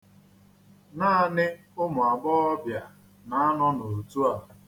Naanị ụmụ agboghobịa na-anọ n'otu a.